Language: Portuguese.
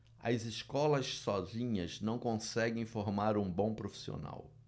as escolas sozinhas não conseguem formar um bom profissional